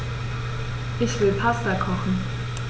Ich will Pasta kochen.